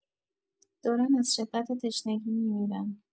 دارن از شدت تشنگی میمیرن